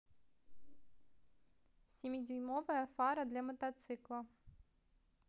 семидюймовая фара для мотоцикла